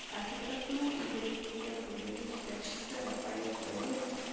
Кафедрасының идел буе бүлеге җитәкчесе рафаэль вәлиев